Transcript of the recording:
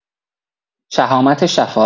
شهامت شفا